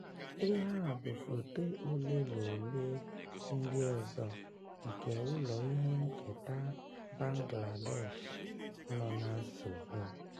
Ihe a bụ foto ole na ole ndị ọzọ nke ụlọ ihe nketa Bangladeshi nọ na nsogbu: